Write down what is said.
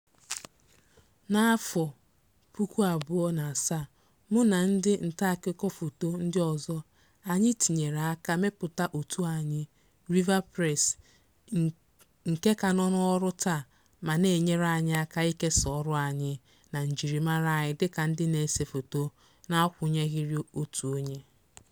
N'afọ 2007, mụ na ndị ntaakụkọ foto ndị ọzọ, anyị tinyere aka mepụta òtù anyị, RIVA PRESS, nke ka nọ n'ọrụ taa ma na-enyere anyị aka ikesa ọrụ anyị na njirimara anyị dịka ndị na-ese foto na-akwụnyeghịrị otu onye.